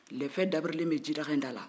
lɛfɛ dabirilen bɛ jidaga in da la